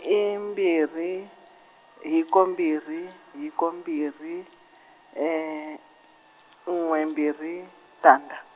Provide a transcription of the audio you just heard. mbirhi, hiko mbirhi, hiko mbirhi, n'we mbirhi, tandza.